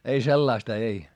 ei sellaista ei